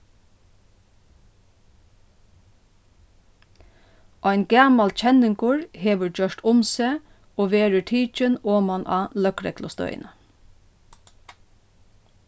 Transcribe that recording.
ein gamal kenningur hevur gjørt um seg og verður tikin oman á løgreglustøðina